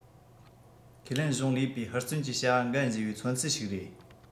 ཁས ལེན གཞུང ལས པའི ཧུར བརྩོན གྱིས བྱ བ འགན བཞེས པའི མཚོན ཚུལ ཞིག རེད